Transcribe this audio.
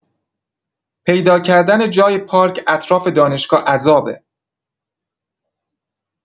پیدا کردن جای پارک اطراف دانشگاه عذابه